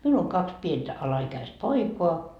minulla on kaksi pientä alaikäistä poikaa